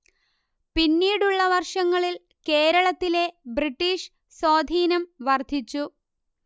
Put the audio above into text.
പിന്നീടുള്ള വർഷങ്ങളിൽ കേരളത്തിലെ ബ്രിട്ടീഷ് സ്വാധീനം വർദ്ധിച്ചു